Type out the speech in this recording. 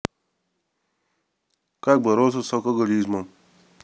как бороться с алкоголизмом